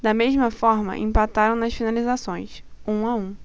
da mesma forma empataram nas finalizações um a um